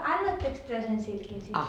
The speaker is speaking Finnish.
annoittekos te sen silkin sitten